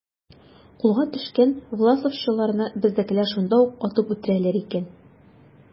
Кулга төшкән власовчыларны безнекеләр шунда ук атып үтерәләр икән.